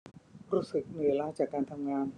รู้สึกเหนื่อยล้าจากการทำงาน